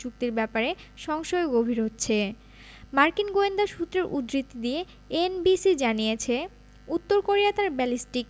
চুক্তির ব্যাপারে সংশয় গভীর হচ্ছে মার্কিন গোয়েন্দা সূত্রের উদ্ধৃতি দিয়ে এনবিসি জানিয়েছে উত্তর কোরিয়া তার ব্যালিস্টিক